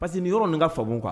Parce que ni yɔrɔ nin ka famu kan